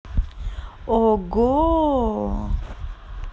ого